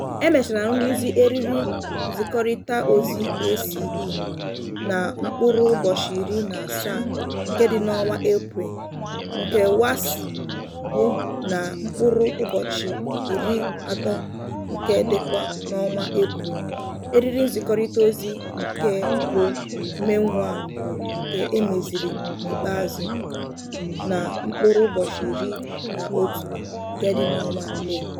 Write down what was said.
Emechara nrụzi eriri nzikọrịtaozi ACE na mkpụrụ ụbọchị iri na asaa nke dị n'ọnwa Eprel, nke WACS bụ na mkpụrụ ụbọchị iri atọ nke dịkwa n'ọnwa Eprel, eriri nzikọrịtaozi nke bụ MainOne bụ nke e meziri n'ikpeazụ na mkpụrụ ụbọchị iri na otu nke dị n'ọnwa Mee.